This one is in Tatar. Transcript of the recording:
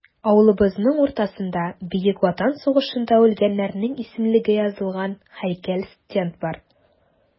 Авылыбызның уртасында Бөек Ватан сугышында үлгәннәрнең исемлеге язылган һәйкәл-стенд бар.